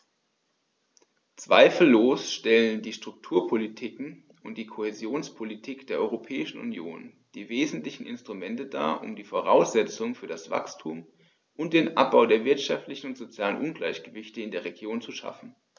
Zweifellos stellen die Strukturpolitiken und die Kohäsionspolitik der Europäischen Union die wesentlichen Instrumente dar, um die Voraussetzungen für das Wachstum und den Abbau der wirtschaftlichen und sozialen Ungleichgewichte in den Regionen zu schaffen.